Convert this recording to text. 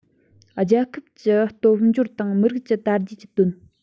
རྒྱལ ཁབ ཀྱི སྟོབས འབྱོར དང མི རིགས ཀྱི དར རྒྱས ཀྱི དོན